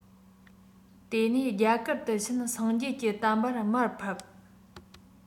དེ ནས རྒྱ གར དུ ཕྱིན སངས རྒྱས ཀྱི བསྟན པར དམའ ཕབ